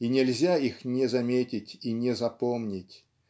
и нельзя их не заметить и не запомнить.